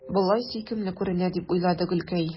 Болай сөйкемле күренә, – дип уйлады Гөлкәй.